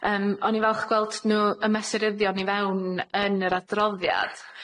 Yym o'n i'n falch gweld nw, y mesuryddion, i fewn yn yr adroddiad,